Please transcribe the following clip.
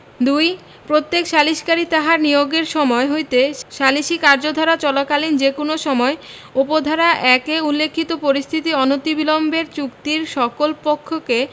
২ প্রত্যেক সালিসকারী তাহার নিয়োগের সময় হইতে সালিসী কার্যধারা চলাকালীন যে কোন সময় উপ ধারা ১ এ উল্লেখিত পরিস্থিতি অনতিবিলম্বে চুক্তির সকল পক্ষকে